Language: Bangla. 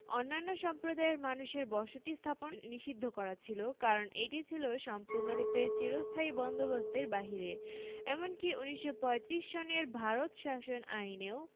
অন্যান্য সম্প্রদায়ের মানুষের বসতী স্থাপন নিষিধ্ধ করা ছিল কারণ এটি ছিল সম্পূর্ণরূপে চিরস্থায়ী বন্দোবস্তের বাহিরে এমনকি ১৯৩৫ সনের ভারত শাসন আইনেও